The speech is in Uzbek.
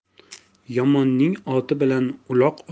yomonning oti bilan uloq